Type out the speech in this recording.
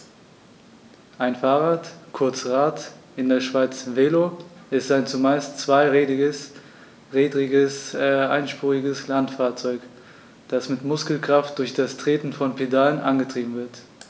Ein Fahrrad, kurz Rad, in der Schweiz Velo, ist ein zumeist zweirädriges einspuriges Landfahrzeug, das mit Muskelkraft durch das Treten von Pedalen angetrieben wird.